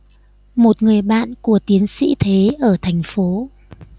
một người bạn của tiến sĩ thế ở thành phố